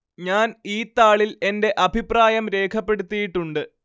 ഞാന്‍ ഈ താളില്‍ എന്റെ അഭിപ്രായം രേഖപ്പെടുത്തിയിട്ടുണ്ട്